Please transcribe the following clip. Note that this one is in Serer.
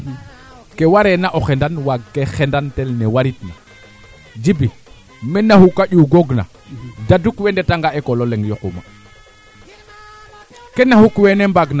xaƴa tena moƴka na wo l'essentiel :far fato xendan kee refna meen ndaa koy quand a tan kee ando naye tena moƴka me i njofa yoqwe naange saxo mbiyan